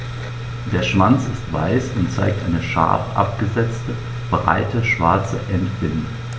Der Schwanz ist weiß und zeigt eine scharf abgesetzte, breite schwarze Endbinde.